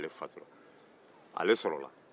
ale sɔrɔla